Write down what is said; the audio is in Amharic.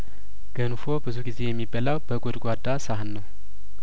ገንፎ ብዙ ጊዜ የሚበላው በጐድጓዳ ሳህን ነው